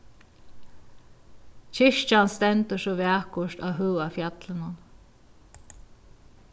kirkjan stendur so vakurt á høga fjallinum